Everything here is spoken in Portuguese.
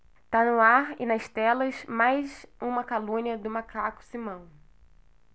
tá no ar e nas telas mais uma calúnia do macaco simão